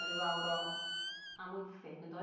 I ryw awr o Amwythig yn doedd?